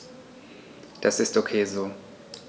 Das ist ok so.